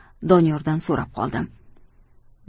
doniyordan so'rab qoldim